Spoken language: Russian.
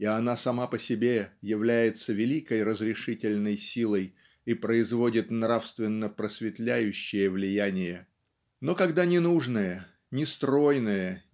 И она сама по себе является великой разрешительной силой и производит нравственно-просветляющее влияние. Но когда ненужное нестройное